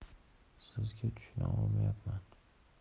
sizga tushuna olmayapman